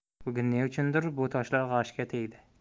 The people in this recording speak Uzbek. bugun ne uchundir bu toshlar g'ashiga tegdi